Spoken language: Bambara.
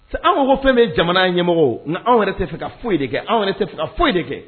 Fɛn an ŋo ko fɛn bɛɛ ye jamanaɲɛmɔgɔw ŋa anw yɛrɛ tɛ fɛ ka foyi de kɛ anw yɛrɛ tɛ fɛ ka foyi de kɛ